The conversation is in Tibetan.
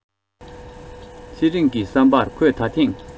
ཚེ རིང གི བསམ པར ཁོས ད ཐེངས